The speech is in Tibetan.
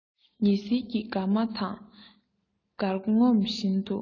ཉི ཟེར གྱི དགའ མ དང དགར ངོམ བཞིན དུ